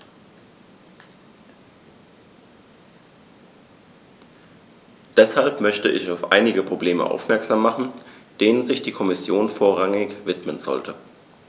Deshalb möchte ich auf einige Probleme aufmerksam machen, denen sich die Kommission vorrangig widmen sollte.